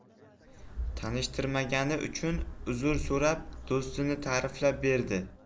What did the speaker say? tanishtirmagani uchun uzr so'rab do'stini ta'riflab berdi